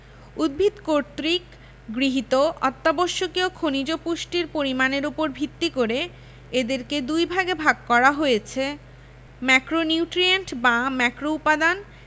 উদ্ভিদ কর্তৃক গৃহীত অত্যাবশ্যকীয় খনিজ পুষ্টির পরিমাণের উপর ভিত্তি করে এদেরকে দুইভাগে ভাগ করা হয়েছে ম্যাক্রোনিউট্রিয়েন্ট বা ম্যাক্রোউপাদান